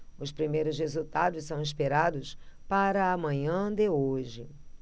os primeiros resultados são esperados para a manhã de hoje